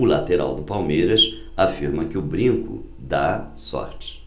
o lateral do palmeiras afirma que o brinco dá sorte